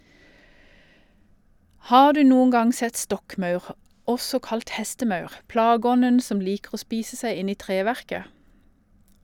Har du noen gang sett stokkmaur, også kalt hestemaur, plageånden som liker å spise seg inn i treverket?